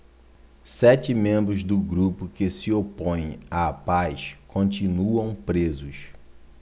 sete membros do grupo que se opõe à paz continuam presos